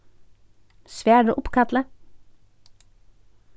svara uppkalli